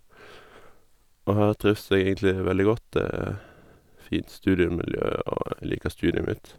Og her trives jeg egentlig veldig godt, det er fint studiemiljø, og jeg liker studiet mitt.